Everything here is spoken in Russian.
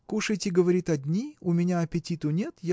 Кушайте, говорит, одни: у меня аппетиту нет